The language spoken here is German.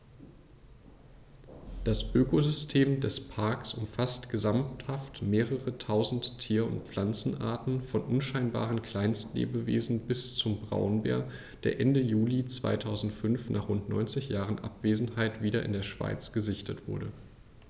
Das Ökosystem des Parks umfasst gesamthaft mehrere tausend Tier- und Pflanzenarten, von unscheinbaren Kleinstlebewesen bis zum Braunbär, der Ende Juli 2005, nach rund 90 Jahren Abwesenheit, wieder in der Schweiz gesichtet wurde.